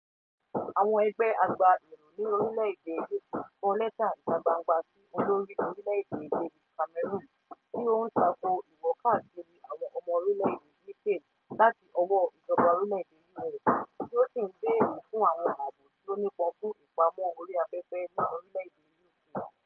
Àwọn ẹgbẹ́ agbaèrò ní orílẹ̀ èdè UK kọ lẹ́tà ìta gbangba sí Olórí Orílẹ̀ èdè David Cameron, tí ó ń tako ìwò káàkiri àwọn ọmọ orílẹ̀ èdè Britain láti ọwọ́ ìjọba orílẹ̀ èdè US tí ó sì ń bèèrè fún àwọn ààbò tí ó nípọn fún ìpamọ́ orí afẹ́fẹ́ ní orílẹ̀ èdè UK.